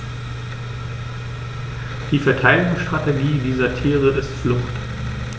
Die Verteidigungsstrategie dieser Tiere ist Flucht.